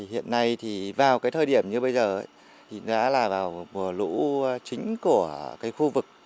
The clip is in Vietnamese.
thì hiện nay thì vào cái thời điểm như bây giờ thì đã là vào mùa lũ chính của cái khu vực